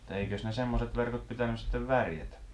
Mutta eikös ne semmoiset verkot pitänyt sitten värjätä